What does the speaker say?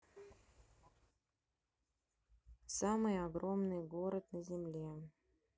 самые огромные город на земле